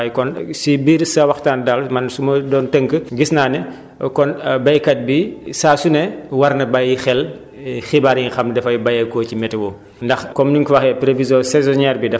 si wàll ñi nga xam dañuy faral di dem géej waaye kon si biir sa waxtaan daal man su ma doon tënk gis naa ne kon béykat bi saa su ne war na bàyyi xel xibaar yi nga xam dafay bàyyeekoo si météo